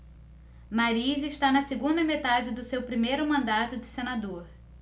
mariz está na segunda metade do seu primeiro mandato de senador